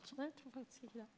nei jeg tror faktisk ikke det.